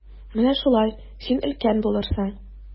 Менә шулай, син өлкән булырсың.